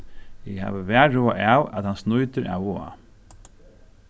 eg havi varhuga av at hann snýtir av og á